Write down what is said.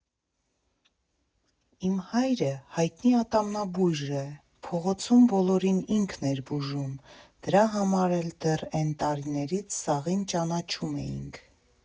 Իմ հայրը հայտնի ատամնաբույժ էր, փողոցում բոլորին ինքն էր բուժում, դրա համար էլ դեռ էն տարիներից սաղին ճանաչում էինք։